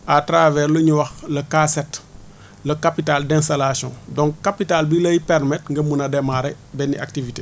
à travers li ñu wax le K7 le capital d' installation donc capital bi lay permettre nga mun a demarré benn activité